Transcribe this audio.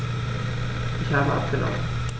Ich habe abgenommen.